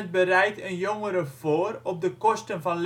bereidt een jongere voor op de kosten van